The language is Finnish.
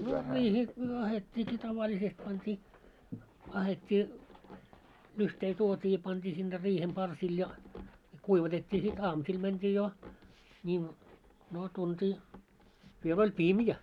no riiheen ahdettiinkin tavallisesti pantiin ahdettiin lyhteitä tuotiin ja pantiin sinne riihen parsille ja kuivatettiin sitten aamusilla mentiin jo - no tuntia vielä oli pimeä